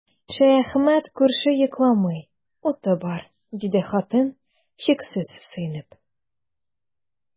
Шәяхмәт күрше йокламый, уты бар, диде хатын, чиксез сөенеп.